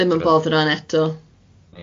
Ddim yn boddran eto.